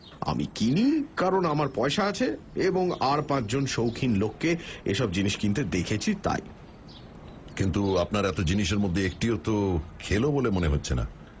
আমি কিনি কারণ আমার পয়সা আছে এবং আর পাঁচজন শৌখিন লোককে এ সব জিনিস কিনতে দেখেছি তাই কিন্তু আপনার এত জিনিসের মধ্যে একটিকেও তো খেলো বলে মনে হচ্ছে না